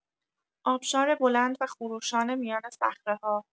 آبشار بلند و خروشان میان صخره‌ها